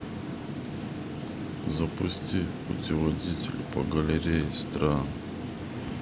запусти путеводитель по галерее стран